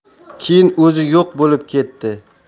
keyin o'zi yo'q bo'lib ketdi